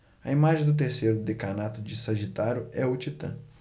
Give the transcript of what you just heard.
a imagem do terceiro decanato de sagitário é o titã